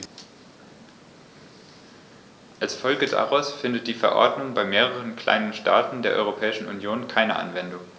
Als Folge daraus findet die Verordnung bei mehreren kleinen Staaten der Europäischen Union keine Anwendung.